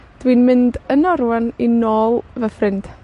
Dwi'n mynd yna rŵan i nôl fy ffrind.